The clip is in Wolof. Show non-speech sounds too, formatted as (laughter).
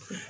(hesitation) (hesitation)